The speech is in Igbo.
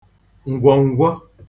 ǹgwọ̀ǹgwọ